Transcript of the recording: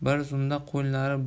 bir zumda qo'llari